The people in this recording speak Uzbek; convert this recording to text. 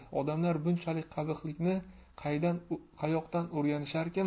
odamlar bunchalik qabihlikni qaydin qayoqdan o'rganisharkin